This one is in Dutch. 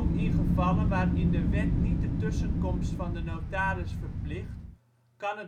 in gevallen waarin de wet niet de tussenkomst van de notaris verplicht, kan